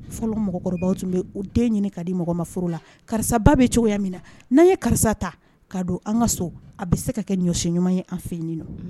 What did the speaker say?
Fɔlɔ mɔgɔkɔrɔbaw tun bɛ' den ɲini k' di mɔgɔ ma furu la karisaba bɛ cogoya min na n'an ye karisa ta kaa don an ka so a bɛ se ka kɛ ɲɔsi ɲuman ye an fɛ nɔ